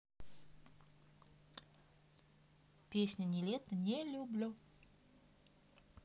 песня niletto не люблю